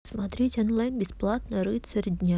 смотреть онлайн бесплатно рыцарь дня